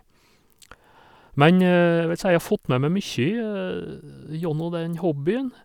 Men jeg vil si jeg har fått med meg mye gjennom den hobbyen.